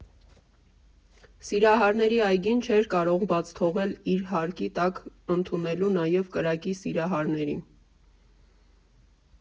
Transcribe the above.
Սիրահարների այգին չէր կարող բաց թողել իր հարկի տակ ընդունելու նաև կրակի սիրահարներին.